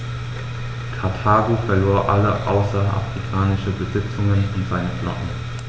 Karthago verlor alle außerafrikanischen Besitzungen und seine Flotte.